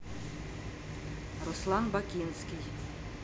руслан бакинский